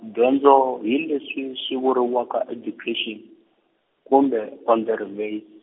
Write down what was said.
dyondzo hi leswi swi vuriwaka education, kumbe onderwys.